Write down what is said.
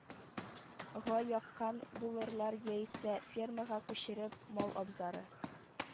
Га яккан булырлар яисә, фермага күчереп, мал абзары